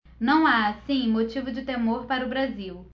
não há assim motivo de temor para o brasil